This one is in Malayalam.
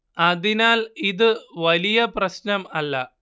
അതിനാൽ ഇതു വലിയ പ്രശ്നം അല്ല